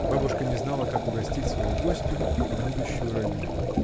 Бабушка не знала, как угостить свою гостью и будущую родню.